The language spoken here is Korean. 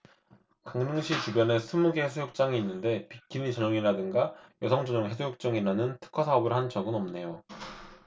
강릉시 주변에 스물 개 해수욕장이 있는데 비키니 전용이라든가 여성 전용 해수욕장이라는 특화사업을 한 적은 없네요